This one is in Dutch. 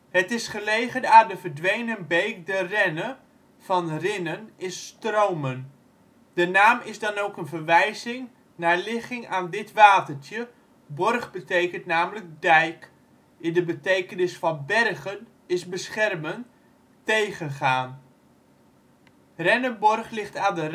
Het is gelegen aan de verdwenen beek de Renne (van rinnen = stromen). De naam is dan ook een verwijzing naar ligging aan dit watertje — borg betekent namelijk dijk, in de betekenis van bergen = beschermen, tegengaan. Renneborg ligt aan de